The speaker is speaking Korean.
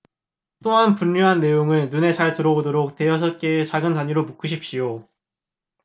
또한 분류한 내용을 눈에 잘 들어오도록 대여섯 개씩 작은 단위로 묶으십시오